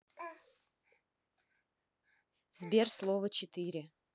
сбер слово четыре